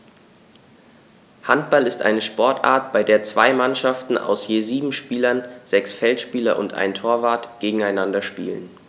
Handball ist eine Sportart, bei der zwei Mannschaften aus je sieben Spielern (sechs Feldspieler und ein Torwart) gegeneinander spielen.